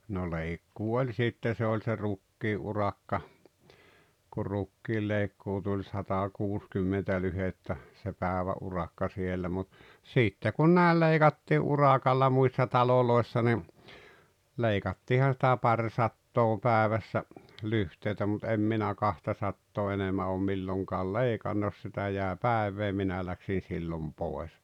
no leikkuu oli sitten se oli se rukiin urakka kun rukiinleikkuu tuli satakuusikymmentä lyhdettä se päivän urakka siellä mutta sitten kun näin leikattiin urakalla muissa taloissa niin leikattiinhan sitä parisataa päivässä lyhteitä mutta en minä kahtasataa enemmän ole milloinkaan leikannut jos sitä jäi päivää minä lähdin silloin pois